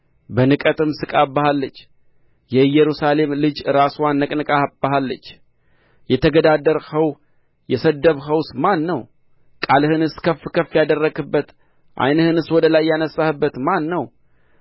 በንቀትም ስቃብሃለች የኢየሩሳሌም ልጅ ራስዋን ነቅንቃብሃለች የተገዳደርኸው የሰደብኸውስ ማን ነው ቃልህንስ ከፍ ከፍ ያደረግህበት ዓይንህንስ ወደ ላይ ያነሣህበት ማን ነው